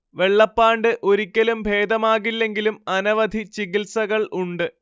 വെള്ളപ്പാണ്ട് ഒരിക്കലും ഭേദമാകില്ലെങ്കിലും അനവധി ചികിത്സകൾ ഉണ്ട്